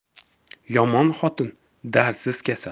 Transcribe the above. yomon xotin dardsiz kasal